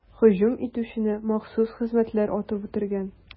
Һөҗүм итүчене махсус хезмәтләр атып үтергән.